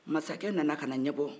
masakɛ nana kana ɲɛbɔ o fɛ